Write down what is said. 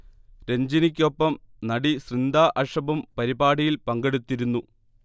രഞ്ജിനിയ്ക്കൊപ്പം നടി സൃന്ദ അഷബും പരിപാടിയിൽ പങ്കെടുത്തിരുന്നു